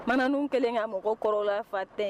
Bamanan kɛlen ka mɔgɔ kɔrɔla fa tɛ